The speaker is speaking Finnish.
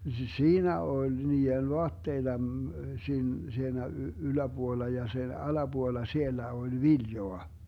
siinä oli niiden vaatteita - siinä yläpuolella ja sen alapuolella siellä oli viljaa